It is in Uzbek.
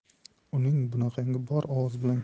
uning bunaqangi bor ovoz bilan